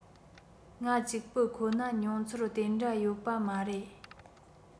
ང གཅིག པུ ཁོ ན མྱོང ཚོར དེ འདྲ ཡོད པ མ རེད